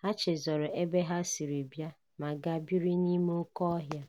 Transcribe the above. ha chezoro ebe ha si bịa ma gaa bịrị n'ime oke ọhịa.